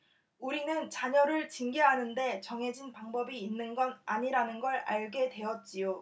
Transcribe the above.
우리는 자녀를 징계하는 데 정해진 방법이 있는 건 아니라는 걸 알게 되었지요